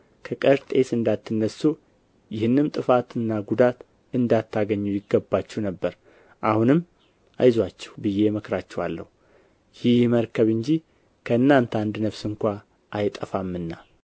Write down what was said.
ከቀርጤስ እንዳትነሡ ይህንም ጥፋትና ጕዳት እንዳታገኙ ይገባችሁ ነበር አሁንም አይዞአችሁ ብዬ እመክራችኋለሁ ይህ መርከብ እንጂ ከእናንተ አንድ ነፍስ እንኳ አይጠፋምና